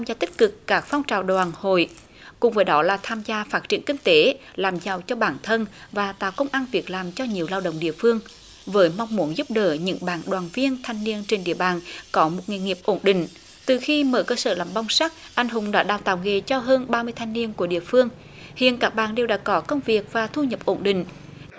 gia tích cực các phong trào đoàn hội cùng với đó là tham gia phát triển kinh tế làm giàu cho bản thân và tạo công ăn việc làm cho nhiều lao động địa phương với mong muốn giúp đỡ những bạn đoàn viên thanh niên trên địa bàn có một nghề nghiệp ổn định từ khi mở cơ sở làm bong sắc anh hùng đã đào tạo nghề cho hơn ba mươi thanh niên của địa phương hiện các bạn đều đã có công việc và thu nhập ổn định